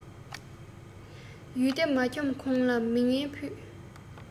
ཡུལ སྡེ མ འཁྱོམས གོང ལ མི ངན ཕུད